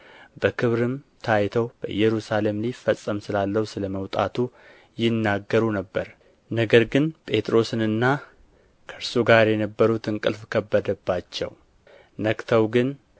በክብርም ታይተው በኢየሩሳሌም ሊፈጽም ስላለው ስለ መውጣቱ ይናገሩ ነበር ነገር ግን ጴጥሮስንና ከእርሱ ጋር የነበሩት እንቅልፍ ከበደባቸው ነቅተው ግን